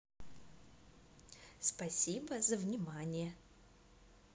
спасибо за внимание